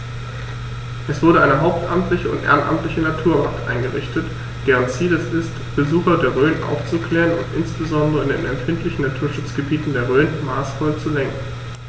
Es wurde eine hauptamtliche und ehrenamtliche Naturwacht eingerichtet, deren Ziel es ist, Besucher der Rhön aufzuklären und insbesondere in den empfindlichen Naturschutzgebieten der Rhön maßvoll zu lenken.